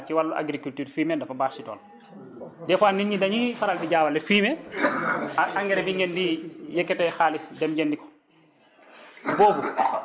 de manière générale ci wàllu agriculture fumier dafa baax si tool des fois nit ñi dañuy faral di jaawale fumier ak engrais bi ngeen di yëkkatee xaalis dem jëndi ko